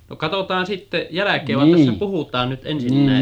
no katsotaan sitten jälkeen vaan tässä puhutaan nyt ensinnäkin